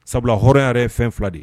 Sabula hɔrɔnya yɛrɛ ye fɛn fila de ye